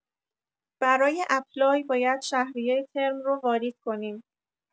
برای اپلای باید شهریه ترم رو واریز کنیم.